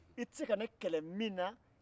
i tɛ se ka ne kɛlɛ min na